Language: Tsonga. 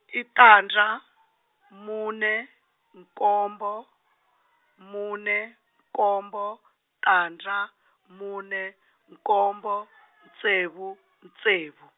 i tandza mune nkombo mune nkombo tandza mune nkombo ntsevu ntsevu.